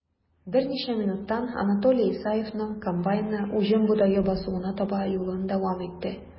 Берничә минуттан Анатолий Исаевның комбайны уҗым бодае басуына таба юлын дәвам итте.